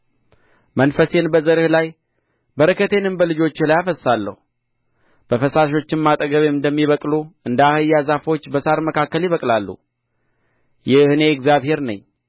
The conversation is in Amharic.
መንፈሴን በዘርህ ላይ በረከቴንም በልጆችህ ላይ አፈስሳለሁ በፈሳሾችም አጠገብ እንደሚበቅሉ እንደ አኻያ ዛፎች በሣር መካከል ይበቅላሉ ይህ እኔ የእግዚአብሔር ነኝ ይላል